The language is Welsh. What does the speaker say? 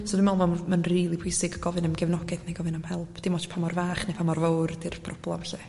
so dwi'n me'l ma... ma'n rili pwysig gofyn am gefnogaeth neu gofyn am help dim ots pa mor fach ne' pa mor fowr 'di'r problem 'llu.